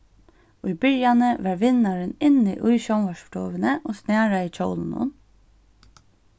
í byrjanini var vinnarin inni í sjónvarpsstovuni og snaraði hjólinum